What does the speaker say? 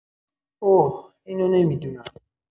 اوه اینو نمی‌دونم